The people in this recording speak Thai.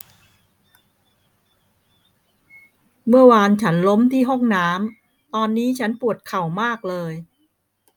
เมื่อวานฉันล้มที่ห้องน้ำตอนนี้ฉันปวดเข่ามากเลย